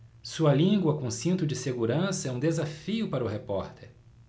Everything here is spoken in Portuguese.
sua língua com cinto de segurança é um desafio para o repórter